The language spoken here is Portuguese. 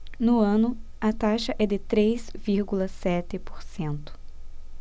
no ano a taxa é de três vírgula sete por cento